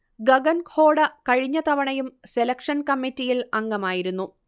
ഗഗൻ ഖോഡ കഴിഞ്ഞ തവണയും സെലക്ഷൻ കമ്മിറ്റിയിൽ അംഗമായിരുന്നു